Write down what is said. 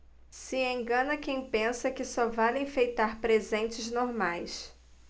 se engana quem pensa que só vale enfeitar presentes normais